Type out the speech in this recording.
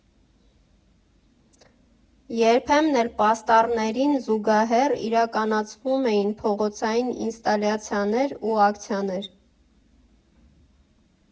Երբեմն էլ պաստառներին զուգահեռ իրականացվում էին փողոցային ինստալյացիաներ ու ակցիաներ.